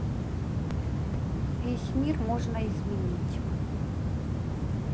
весь мир можно изменить